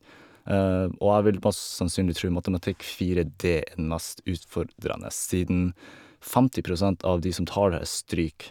Og jeg vil mest sannsynlig tro Matematikk 4D er den mest utfordrende, siden femti prosent av de som tar det, stryker.